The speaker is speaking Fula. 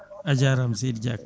a jarama seydi Dia